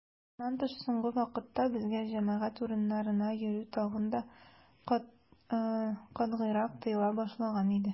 Моннан тыш, соңгы вакытта безгә җәмәгать урыннарына йөрү тагын да катгыйрак тыела башлаган иде.